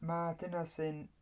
Ma'... Dyna sy'n...